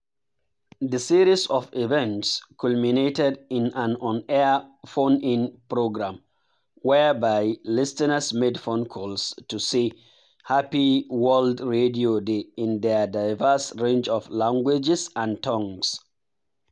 The series of events culminated in an on-air phone-in programme, whereby listeners made phone calls to say “happy World Radio Day” in their diverse range of languages and tongues: